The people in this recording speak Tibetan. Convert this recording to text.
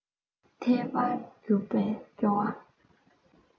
ཐལ བར འགྱུར བས སྐྱོ བ